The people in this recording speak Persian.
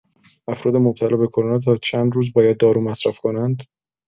افراد مبتلا به کرونا تا چند روز باید دارو مصرف کنند؟